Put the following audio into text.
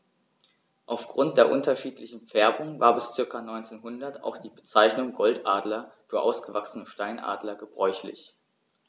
Auf Grund der unterschiedlichen Färbung war bis ca. 1900 auch die Bezeichnung Goldadler für ausgewachsene Steinadler gebräuchlich.